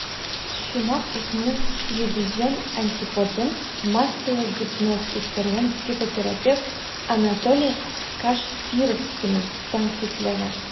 Чумак үзенең телевизион антиподын - массалы гипноз үткәргән психотерапевт Анатолий Кашпировскийны тәнкыйтьләгән.